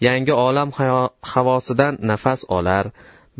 yangi olam havosidan nafas olar